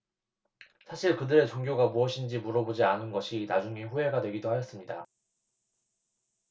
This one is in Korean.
사실 그들의 종교가 무엇인지 물어보지 않은 것이 나중에 후회가 되기도 하였습니다